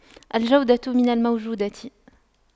الجودة من الموجودة